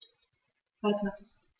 Weiter.